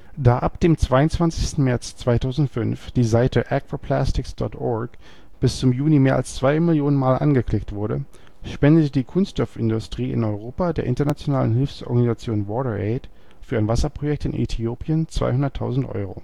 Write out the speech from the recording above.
Da ab dem 22. März 2005 die Seite aquaplastics.org bis zum Juni mehr als 2 Millionen mal angeklickt wurde, spendete die Kunststoff-Industrie in Europa der internationalen Hilfsorganisation WaterAid für ein Wasserprojekt in Äthiopien 200.000 Euro